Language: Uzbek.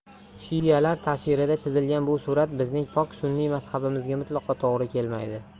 shialar tasirida chizilgan bu surat bizning pok sunniy mazhabimizga mutlaqo to'g'ri kelmaydi